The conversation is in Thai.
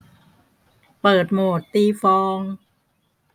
เปิดโหมดตีฟอง